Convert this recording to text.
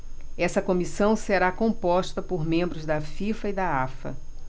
essa comissão será composta por membros da fifa e da afa